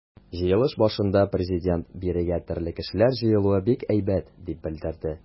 Җыелыш башында Президент: “Бирегә төрле кешеләр җыелуы бик әйбәт", - дип белдерде.